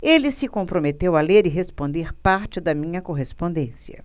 ele se comprometeu a ler e responder parte da minha correspondência